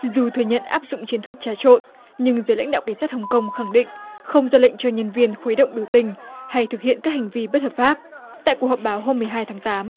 dù thừa nhận áp dụng chiến thuật trà trộn nhưng giới lãnh đạo cảnh sát hồng công khẳng định không ra lệnh cho nhân viên khuấy động biểu tình hay thực hiện các hành vi bất hợp pháp tại cuộc họp báo hôm mười hai tháng tám